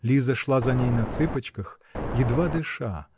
Лиза шла за ней на цыпочках, едва дыша